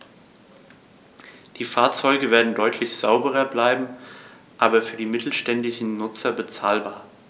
Die Fahrzeuge werden deutlich sauberer, bleiben aber für die mittelständischen Nutzer bezahlbar.